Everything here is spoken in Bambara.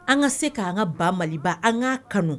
An ka se k kaan ka ban maliba an k ka kanu